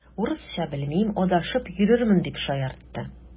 Урысча белмим, адашып йөрермен, дип шаяртты.